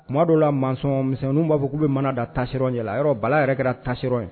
Tuma dɔ la maçon misɛnniw b'a fɔ k'u be mana da tâcheron ɲɛ la yɔrɔ Bala yɛrɛ kɛra tâcheron ye